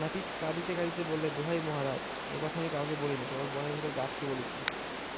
নাপিত কঁদিতে কঁদিতে বললেদোহাই মহারাজ এ কথা আমি কাউকে বলিনি কেবল বনের ভিতর গাছকে বলেছি